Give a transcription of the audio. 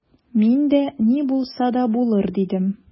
Мин дә: «Ни булса да булыр»,— дидем.